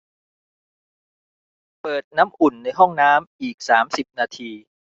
เปิดน้ำอุ่นในห้องน้ำอีกสามสิบนาที